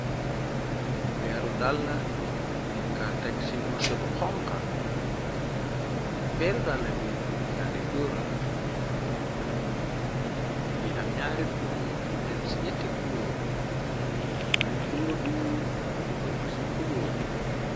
Peeru dala ningalteg ci morsha bi xonga peeru dala bi dala górala mi am ñaari kuloor bu dem ci ñetti kuloor wayen kuloor bu ñuur mu ëpp ci kulóor bi.